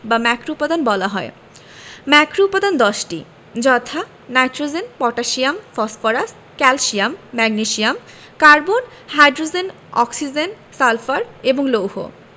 বা ম্যাক্রোউপাদান বলা হয় ম্যাক্রোউপাদান 10টি যথা nitrogen potassium phosphorus calcium magnesium carbon hydrogen oxygen sulphur এবং লৌহ